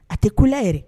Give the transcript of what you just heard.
A tɛ ku yɛrɛ